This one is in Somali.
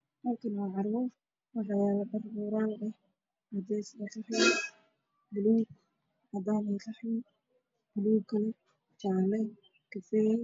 Waa dhar meel yaalo midab kiisu waxaa cadaan, madow, qaxwi Jaale kafee